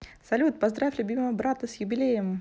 салют поздравь любимого брата с юбилеем